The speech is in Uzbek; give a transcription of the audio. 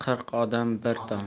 qirq odam bir tomon